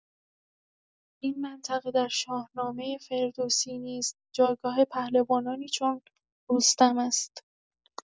این منطقه در شاهنامه فردوسی نیز جایگاه پهلوانانی چون رستم است.